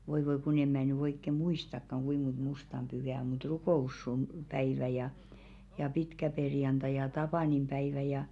voi voi kun en minä nyt oikein muistakaan kuinka monta mustan pyhää on mutta - rukouspäivä ja ja pitkäperjantai ja tapaninpäivä ja